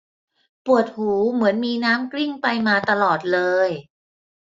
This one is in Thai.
ปวดหูเหมือนมีน้ำกลิ้งไปมาตลอดเลย